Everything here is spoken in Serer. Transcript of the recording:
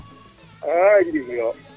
a ndigil lo